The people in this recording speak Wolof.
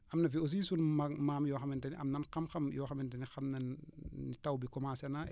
am na fi aussi sunu mag maam yoo xamante ne am nan xam-xam yoo xamante ne xam nan taw bi commencé na